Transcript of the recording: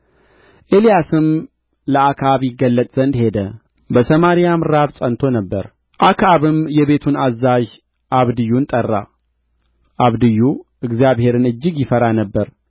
ኤልያስም ለአክዓብ ይገለጥ ዘንድ ሄደ በሰማርያም ራብ ጸንቶ ነበር አክዓብም የቤቱን አዛዥ አብድዩን ጠራ አብድዩ እግዚአብሔርን እጅግ ይፈራ ነበር